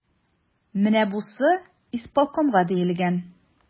Менә бусы исполкомга диелгән.